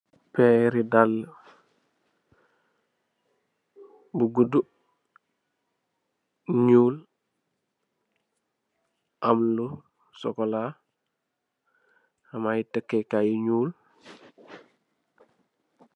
Perri dala bu guddu , nu am lu sokola am ay tekkikaay yu nuul.